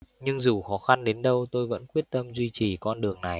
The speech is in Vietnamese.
nhưng dù khó khăn đến đâu tôi vẫn quyết tâm duy trì con đường này